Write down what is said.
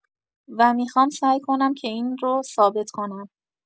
و می‌خوام سعی کنم که این رو ثابت کنم.